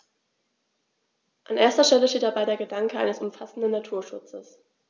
An erster Stelle steht dabei der Gedanke eines umfassenden Naturschutzes.